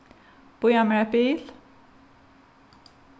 bíða mær eitt bil